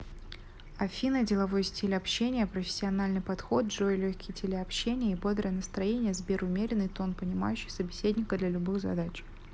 афина деловой стиль общения профессиональный подход джой легкий телеобщения и бодрое настроение сбер умеренный тон понимающий собеседника для любых задач